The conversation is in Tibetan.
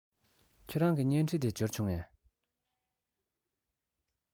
ཁྱེད རང གི བརྙན འཕྲིན དེ འབྱོར བྱུང ངས